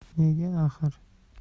nega axir